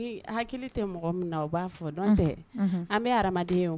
Hakili tɛ mɔgɔ min na o b'a fɔ n'o tɛ an bɛ ye adamadamaden ye